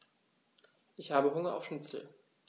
Ich habe Hunger auf Schnitzel.